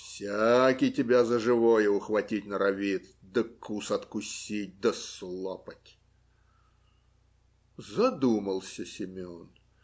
Всякий тебя за живое ухватить норовит, да кус откусить, да слопать. Задумался Семен.